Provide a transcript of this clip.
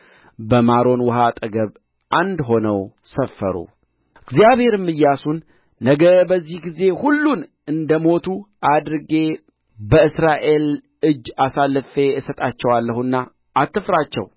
በማሮን ውኃ አጠገብ አንድ ሆነው ሰፈሩ እግዚአብሔርም ኢያሱን ነገ በዚህ ጊዜ ሁሉን እንደ ሞቱ አድርጌ በእስራኤል እጅ አሳልፌ እሰጣቸዋለሁና አትፍራቸው